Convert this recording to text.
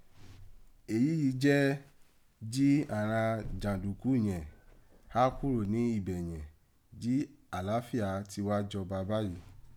Èyíyìí jẹ jí àghan janduku yẹ̀n há kúrò ni ibẹ̀ yẹ̀n, jí alaafia ti wá jọba báyii.